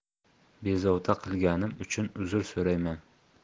bezovta qilganim uchun uzr so'rayman